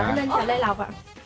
linh chào lê lộc ạ